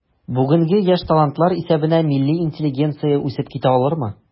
Бүгенге яшь талантлар исәбенә милли интеллигенция үсеп китә алырмы?